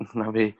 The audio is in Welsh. na fi